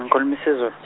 ngikhulum isiZulu.